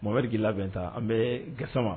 Mamari k'i labɛn tan an bɛ gasama